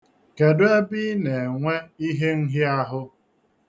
Kedu ebe i na-enwe ihe nhịaahụ?